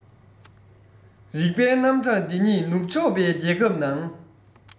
རིག པའི རྣམ གྲངས འདི ཉིད ནུབ ཕྱོགས པའི རྒྱལ ཁབ ནང